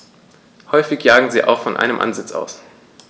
Häufig jagen sie auch von einem Ansitz aus.